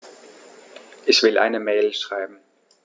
Ich will eine Mail schreiben.